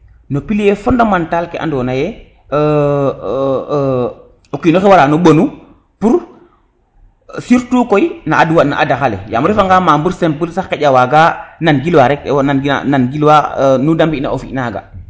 no plier fondemental ke ando naye o kino xe wara no mbonu pour surtout koy no no adaxa le yam o refa nga membre simple "sax xaƴa waga nan gilwa rek nan gilwa nu de mbina o fi naga